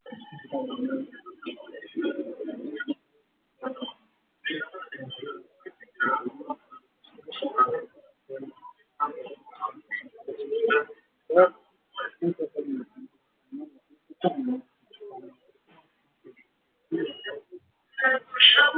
Waa jiko waxa leedhay qaanado midabkoodii yihiin madow cadaan